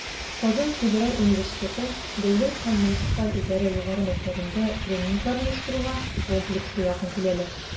КФУ Дәүләт һәм муниципаль идарә югары мәктәбендә тренингларны оештыруга комплекслы якын киләләр: